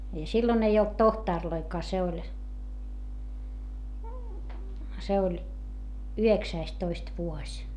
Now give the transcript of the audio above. ja silloin ei ollut tohtoreitakaan se oli se oli yhdeksästoista vuosi